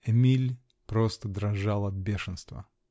Эмиль просто дрожал от бешенства.